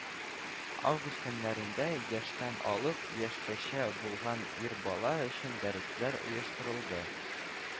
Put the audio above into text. Август көннәрендә яшьтән алып яшькәчә булган ир бала өчен дәресләр оештырылды